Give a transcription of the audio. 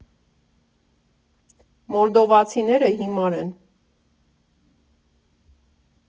Մոլդովացիները հիմար են։